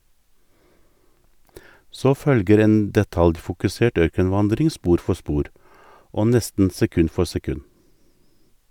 Så følger en detaljfokusert ørkenvandring spor for spor, og nesten sekund for sekund.